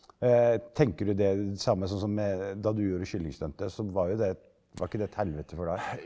tenker du det samme sånn som jeg da du gjorde kyllingstuntet så var jo det var ikke det et helvete for deg?